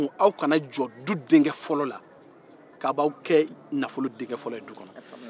aw kana jɔn du denkɛ fɔlɔ la k'a b'aw kɛ nafolo denkɛ fɔlɔ ye du kɔnɔ